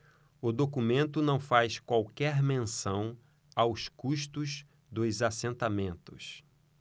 o documento não faz qualquer menção aos custos dos assentamentos